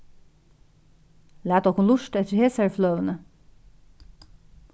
lat okkum lurta eftir hesari fløguni